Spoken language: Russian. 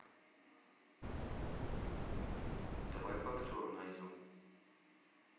давай по актеру найдем